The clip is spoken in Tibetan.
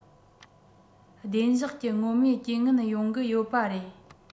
བདེ འཇགས ཀྱི མངོན མེད རྐྱེན ངན ཡོང གི ཡོད པ རེད